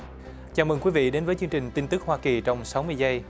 chào mừng quý vị đến với chương trình tin tức hoa kỳ trong sáu mươi giây